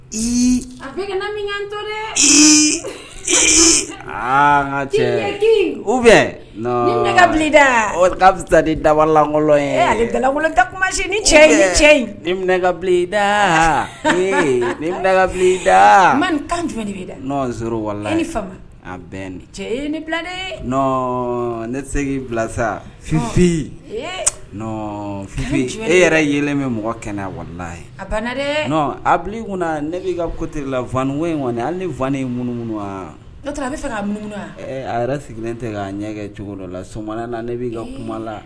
H a bɛmiyan dɛ aa cɛ u bɛ ne ne da o taa sa de dawalankolonlɔ ale gakolon tɛ kumasi ni cɛ cɛ ne da ne da man tan jumɛn de bɛ da nɔn walala ni fa a bɛ cɛ ni bilalen n ne se bila sa fifin nɔn fifin e yɛrɛ yɛlɛlen bɛ mɔgɔ kɛnɛ a wala ye a ban dɛ a kunna ne b'i ka kotigi lainko in kɔni hali in mununu wa bɛ fɛ ka mun a yɛrɛ sigilen ne tɛ' ɲɛgɛn cogo dɔ la so na ne b'i ka kuma la